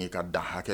N'i ka da hakɛ